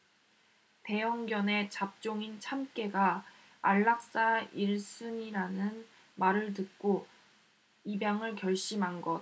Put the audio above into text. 대형견에 잡종인 참깨가 안락사 일 순위라는 말을 듣고 입양을 결심한 것